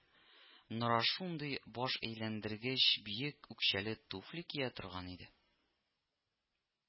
Нора шундый баш әйләндергеч биек үкчәле түфли кия торган иде